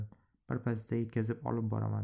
birpasda yetkazib olib boraman